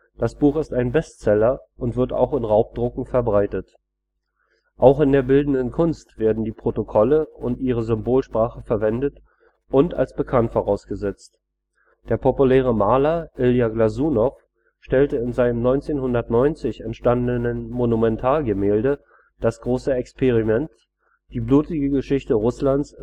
das Buch ist ein Bestseller und wird auch in Raubdrucken verbreitet. Auch in der bildenden Kunst werden die Protokolle und ihre Symbolsprache verwendet und als bekannt vorausgesetzt: Der populäre Maler Ilja Glasunow stellt in seinem 1990 entstandenen Monumentalgemälde „ Das große Experiment “die blutige Geschichte Russlands